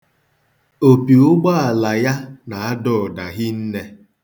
Opi ụgbọala ya na-ada ụda hinne.